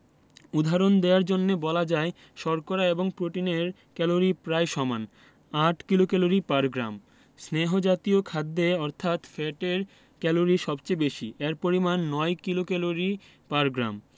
উদাহরণ দেয়ার জন্যে বলা যায় শর্করা এবং প্রোটিনের ক্যালরি প্রায় সমান ৮ কিলোক্যালরি পার গ্রাম স্নেহ জাতীয় খাদ্যে অর্থাৎ ফ্যাটের ক্যালরি সবচেয়ে বেশি এর পরিমান ৯ কিলোক্যালরি পার গ্রাম